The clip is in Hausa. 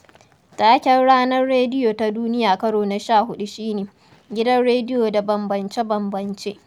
Taken Ranar Rediyo Ta Duniya karo na 14 shi ne '' Gidan rediyo da bambance-bambance”